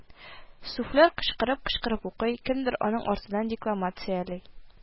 Суфлер кычкырып-кычкырып укый, кемдер аның артыннан декламацияли